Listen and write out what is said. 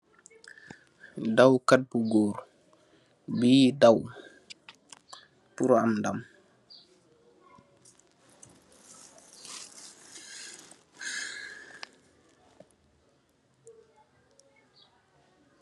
Daawkat bu goor bi daaw por am daam